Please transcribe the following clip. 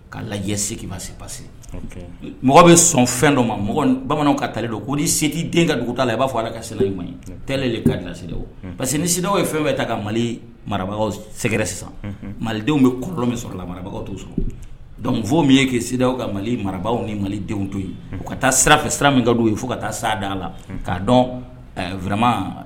Ka mɔgɔ bɛ sɔn fɛn dɔ mɔgɔ bamananw ka taa don ko se den ka dugu' la i b'a a la ka ma t ka dilansida parce que nisiw ye fɛn bɛ ta ka mali marabagaw sɛgɛrɛ sisan malidenw bɛ kɔlɔn min sɔrɔ la marabagaw to sɔrɔ dɔnkuc fɔ min ye kew ka mali marabagaw ni malidenw to yen ka taa sirafɛ sira min ka don ye fo ka taa sa d a la k'a dɔn vma